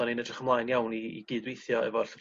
...'dan ni'n edrych ymlaen iawn i i gydweithio efo'r